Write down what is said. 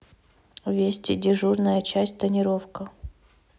вести дежурная часть тонировка